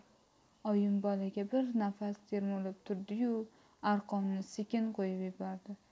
oyim bolaga bir nafas termilib turdiyu arqonni sekin qo'yib yubordi